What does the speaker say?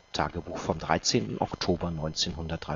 Tagebuch 13. Oktober 1953